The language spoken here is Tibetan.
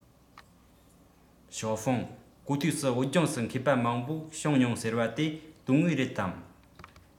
ཞའོ ཧྥུང གོ ཐོས སུ བོད ལྗོངས སུ མཁས པ མང པོ བྱུང མྱོང ཟེར བ དེ དོན དངོས རེད དམ